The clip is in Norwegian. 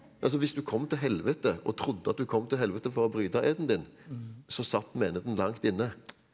altså hvis du kom til helvetet og trodde at du kom til helvete for å bryte eden din så satt meneden langt inne.